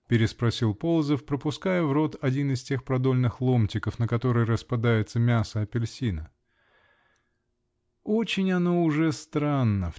-- переспросил Полозов, пропуская в рот один из тех продольных ломтиков, на которые распадается мясо апельсина. -- Очень оно уже странно.